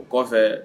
O kɔfɛ